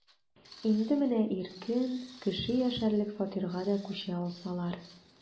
Инде менә иркен, кеше яшәрлек фатирга да күчә алсалар...